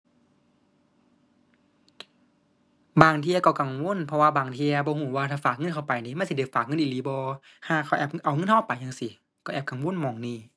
บางเที่ยก็กังวล เพราะว่าบางเที่ยบ่รู้ว่าถ้าฝากเงินเข้าไปนี่ มันสิได้ฝากเงินอีหลีบ่ ห่าเขาแอบ เอาเงินรู้ไปจั่งซี้ รู้แอบกังวลหม้องนี้